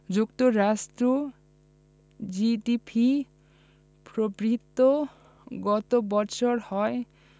যুক্তরাষ্ট্রের জিডিপি প্রবৃদ্ধি গত বছর হয়